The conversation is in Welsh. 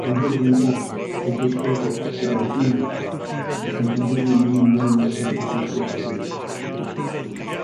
Mae Holden yn grac ac yn rhwystredig gyda'r byd, ac yn penderfynu mynd yn ôl i'w ystafell westy, a chysgu.